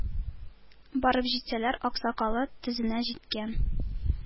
Барып җитсәләр, ак сакалы тезенә җиткән,